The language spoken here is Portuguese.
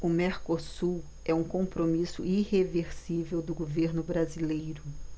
o mercosul é um compromisso irreversível do governo brasileiro